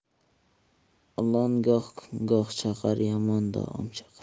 ilon goh goh chaqar yomon doim chaqar